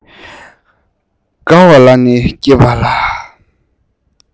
མཱེ མཱེ དགའ བ ལ ནི སྐྱིད པ ལ